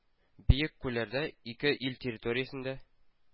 Бөек күлләрдә (ике ил территориясендә